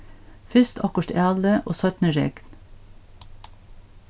fyrst okkurt ælið og seinni regn